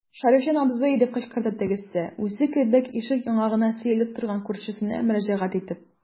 Шәрифҗан абзый, - дип кычкырды тегесе, үзе кебек ишек яңагына сөялеп торган күршесенә мөрәҗәгать итеп.